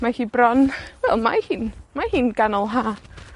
Mae hi bron, wel mae hi'n, mae hi'n ganol Ha.